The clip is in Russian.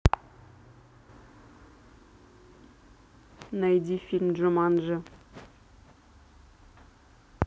найди фильм джуманджи